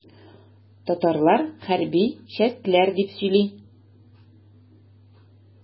Татарлар хәрби чәстләр дип сөйли.